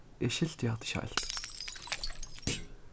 eg skilti hatta ikki heilt